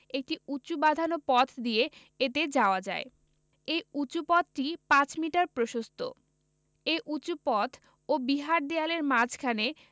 একটি উঁচু বাঁধানো পথ দিয়ে এতে যাওয়া যায় এই উঁচু পথটি ৫মিটার প্রশস্ত এই উঁচু পথ ও বিহার দেয়ালের মাঝখানে